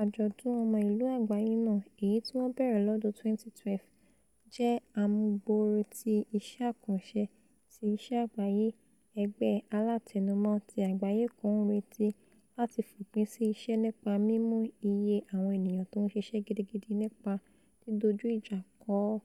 Àjọ̀dun Ọmọ Ìlú Àgbáyé náà, èyití wọ́n bẹ̀rẹ̀ lọ́dún 2012, jẹ́ àmúgbòòrò tí Iṣẹ́ Àkànṣe ti Ìṣẹ́ Àgbáyé, ẹgbẹ́ aláàtẹnumọ́ ti àgbáyé kan ńrétí láti fòpin sí ìṣẹ́ nípa mímú iye àwọn ènìyàn tó ńṣiṣẹ́ gidigidi nípa dídojú ìjà kọ ọ́